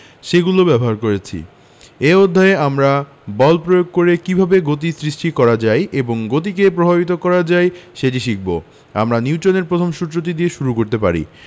সেগুলো ব্যবহারও করেছি এই অধ্যায়ে আমরা বল প্রয়োগ করে কীভাবে গতির সৃষ্টি করা যায় কিংবা গতিকে প্রভাবিত করা যায় সেটি শিখব আমরা নিউটনের প্রথম সূত্রটি দিয়ে শুরু করতে পারি